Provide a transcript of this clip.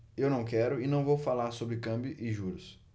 eu não quero e não vou falar sobre câmbio e juros